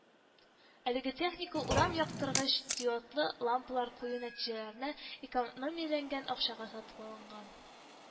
Әлеге техника урам яктырткыч диодлы лампалар кую нәтиҗәсендә экономияләнгән акчага сатып алынган